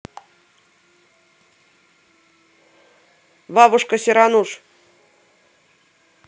бабушка сирануш